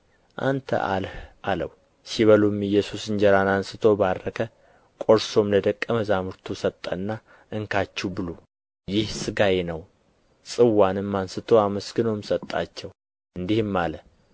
አንተ አልህ አለው ሲበሉም ኢየሱስ እንጀራን አንሥቶ ባረከ ቈርሶም ለደቀ መዛሙርቱ ሰጠና እንካችሁ ብሉ ይህ ሥጋዬ ነው አለ ጽዋንም አንሥቶ አመስግኖም ሰጣቸው እንዲህም አለ